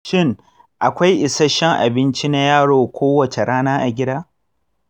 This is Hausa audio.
shin akwai isasshen abinci na yaro kowace rana a gida?